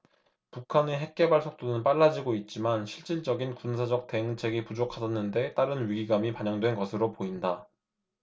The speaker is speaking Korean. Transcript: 북한의 핵개발 속도는 빨라지고 있지만 실질적인 군사적 대응책이 부족하다는 데 따른 위기감이 반영된 것으로 보인다